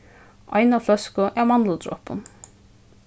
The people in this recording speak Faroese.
eina fløsku av mandludropum